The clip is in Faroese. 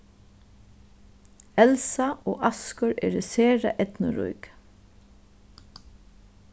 elsa og askur eru sera eydnurík